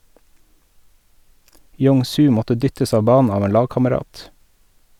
Yong-su måtte dyttes av banen av en lagkamerat.